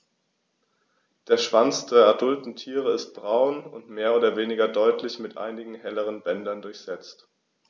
Der Schwanz der adulten Tiere ist braun und mehr oder weniger deutlich mit einigen helleren Bändern durchsetzt.